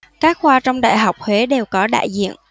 các khoa trong đại học huế đều có đại diện